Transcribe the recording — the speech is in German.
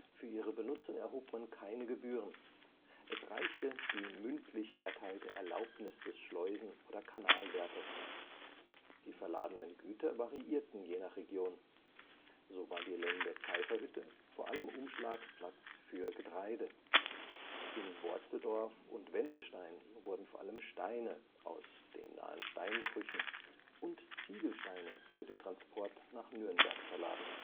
Für ihre Benutzung erhob man keine Gebühren, es reichte die mündlich erteilte Erlaubnis des Schleusen - oder Kanalwärters. Die verladenen Güter variierten je nach Region, so war die Lände Pfeifferhütte vor allem Umschlagplatz für Getreide, in Worzeldorf und Wendelstein wurden vor allem Steine aus den nahen Steinbrüchen (siehe Wernloch) und Ziegelsteine für den Transport nach Nürnberg verladen